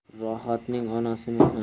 rohatning onasi mehnat